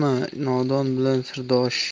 bo'lma nodon bilan sirdosh